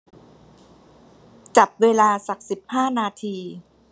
จับเวลาสักสิบห้านาที